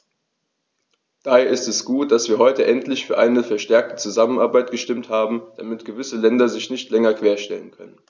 Daher ist es gut, dass wir heute endlich für eine verstärkte Zusammenarbeit gestimmt haben, damit gewisse Länder sich nicht länger querstellen können.